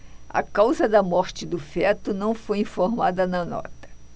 a causa da morte do feto não foi informada na nota